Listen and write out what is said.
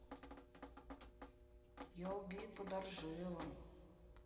я убит подо ржевом